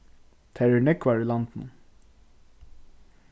tær eru nógvar í landinum